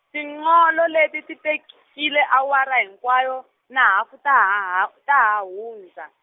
tinqolo leti ti tekile awara hinkwayo, na hafu ta ha ha, ta ha hundza.